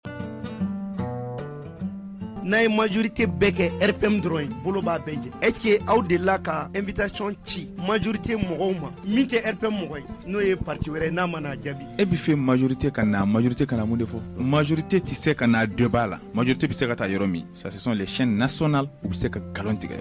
N'a ye majrite bɛɛ kɛ p dɔrɔn bolo b bɛɛ jɛ et aw de la ka n bɛc ci majrite mɔgɔw ma min tɛ p mɔgɔ n'o ye pati wɛrɛ ye n'a mana jaabi e bɛ fɛ majorite ka majrite ka na mun de fɔ majorite tɛ se ka' a dɔ bbaa la maj te bɛ se ka taa yɔrɔ min sisansilic naso u bɛ se ka nkalon tigɛ